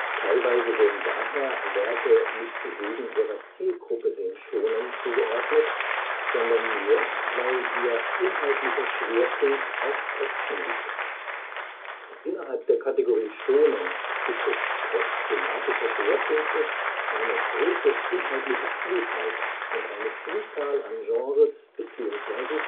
Teilweise werden daher Werke nicht wegen ihrer Zielgruppe dem Shōnen zugeordnet, sondern nur weil ihr inhaltlicher Schwerpunkt auf Action liegt. Innerhalb der Kategorie Shōnen gibt es trotz thematischer Schwerpunkte eine große inhaltliche Vielfalt und eine Vielzahl an Genres bzw.